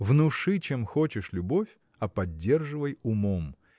Внуши чем хочешь любовь, а поддерживай умом.